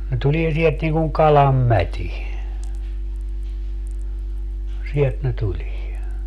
ne tulee sieltä niin kuin kalan mäti sieltä ne tulee